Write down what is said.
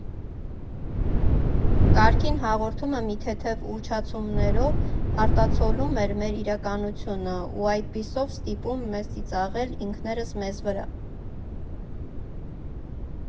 «Կարգին հաղորդումը», մի թեթև ուռճացումներով, արտացոլում էր մեր իրականությունը ու, այդպիսով, ստիպում մեզ ծիծաղել ինքներս մեզ վրա։